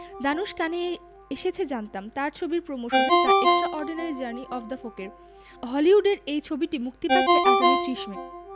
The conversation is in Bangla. দানুশ কানে এসেছে জানতাম তার ছবির প্রমোশনে the extraordinary journey of the fakir হলিউডের এই ছবিটি মুক্তি পাচ্ছে আগামী ৩০ মে